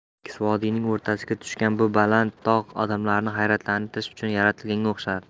tekis vodiyning o'rtasiga tushgan bu baland tog' odamlarni hayratlantirish uchun yaratilganga o'xshardi